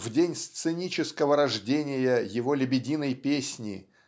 в день сценического рождения его лебединой песни